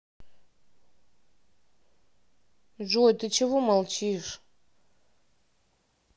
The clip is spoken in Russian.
джой ты чего молчишь